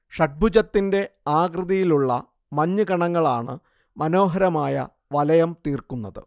ഷഡ്ഭുജത്തിന്റെ ആകൃതിയിലുള്ള മഞ്ഞുകണങ്ങളാണ് മനോഹരമായ വലയം തീർക്കുന്നത്